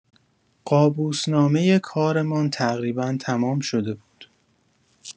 قابوس‌نامه کارمان تقریبا تمام شده بود.